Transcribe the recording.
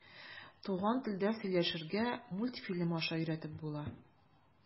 Туган телдә сөйләшергә мультфильм аша өйрәтеп була.